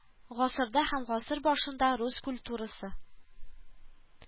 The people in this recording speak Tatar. Гасырда һәм гасыр башында рус культурасы